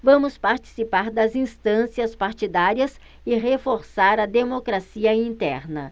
vamos participar das instâncias partidárias e reforçar a democracia interna